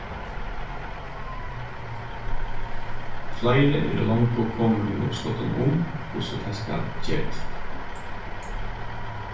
fleiri eru longu komin við uppskotum um hvussu tað skal gerast